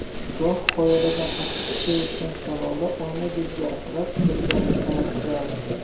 goh qoyalardan oqib tushayotgan shalola oynadek yarqirab ko'zlarni qamashtirardi